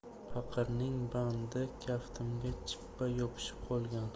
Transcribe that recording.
paqirning bandi kaftimga chippa yopishib qolgan